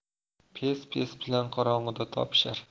pes pes bilan qorong'ida topishar